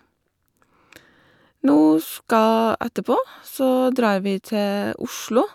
nå skal Etterpå så drar vi til Oslo.